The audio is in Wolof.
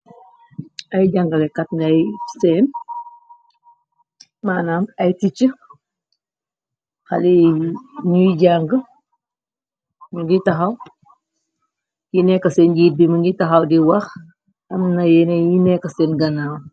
ay jàngale kat maanam ay ticc xale yi ñuy jàng u ngi taxaw yi nekko seen njiit bi mi ngi taxaw di wax amna yenee yi nekka seen ganaa